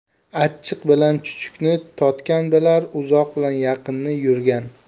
achchiq bilan chuchukni totgan bilar uzoq bilan yaqinni yurgan